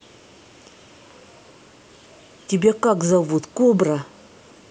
тебя как зовут кобра